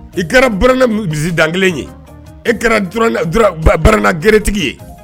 I kɛra barama min dusu dan 1 ye e kɛra gɛrɛtigi ye.